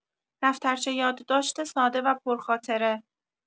دفترچه یادداشت ساده و پرخاطره